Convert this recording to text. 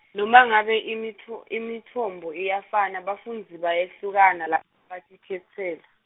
noma ngabe imitfo- imitfombo iyafana bafundzi bayehlukana la batikhetsela.